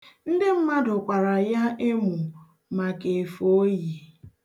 Ndị mmadụ kwara ya emu maka efe o yi